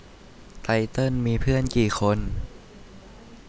ไตเติ้ลมีเพื่อนกี่คน